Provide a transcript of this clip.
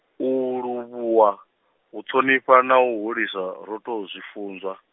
u livhuwa, u ṱhonifha na u hulisa ro tou zwi funzwa.